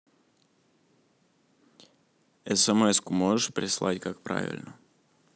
смску можешь прислать как правильно